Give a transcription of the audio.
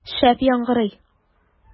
Шәп яңгырый!